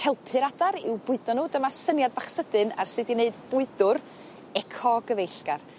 helpu'r adar i'w bwydo n'w dyma syniad bach sydyn ar sud i neud bwydwr eco gyfeillgar